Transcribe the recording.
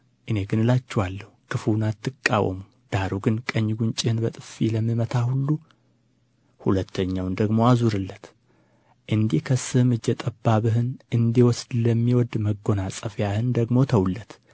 እኔ ግን እላችኋለሁ ክፉውን አትቃወሙ ዳሩ ግን ቀኝ ጉንጭህን በጥፊ ለሚመታህ ሁሉ ሁለተኛውን ደግሞ አዙርለት እንዲከስህም እጀ ጠባብህንም እንዲወስድ ለሚወድ መጎናጸፊያህን ደግሞ ተውለት